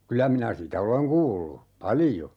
kyllä minä sitä olen kuullut paljon